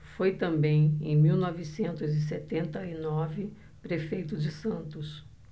foi também em mil novecentos e setenta e nove prefeito de santos